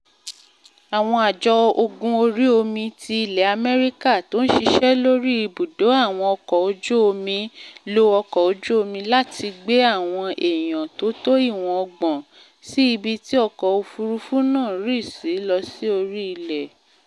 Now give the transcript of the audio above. Àjọ ọmọ-ogun orí omi ti ilẹ̀ Amẹ́ríkà tó ń ṣiṣẹ́ lóri ibùdóò àwọn ọkọ̀ ojú-omi lo ọkọ̀ ojú-omi láti gbé àwọn èèyàn tó tó iwọ̀n ọgbọ̀n (30) sí ibi tí ọkọ̀-òfúrufú náà rì sí lọ sí orí ilẹ̀.